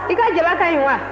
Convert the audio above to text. i ka jaba ka ɲi wa